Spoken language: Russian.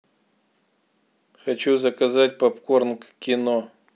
хочу заказать попкорн к кино